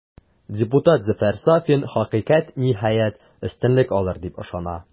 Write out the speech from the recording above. Депутат Зөфәр Сафин, хакыйкать, ниһаять, өстенлек алыр, дип ышана.